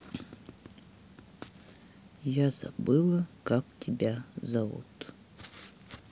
я забыла как тебя зовут